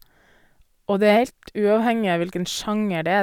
Og det er heilt uavhengig av hvilken sjanger det er.